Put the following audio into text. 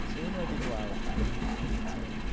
Oes rhywun wedi gweld 'Hamilton?'